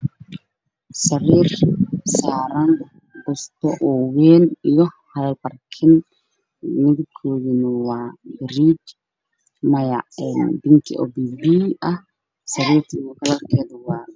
Waa sariir madow waxaa saaran joodari sariirta waa madow geesaa waxaa ka yaalo labo diin go ayaa saaran